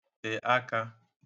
tè aka